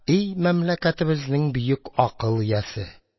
И мәмләкәтебезнең бөек акыл иясе!